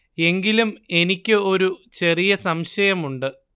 എങ്കിലും എനിക്ക് ഒരു ചെറിയ സംശയമുണ്ട്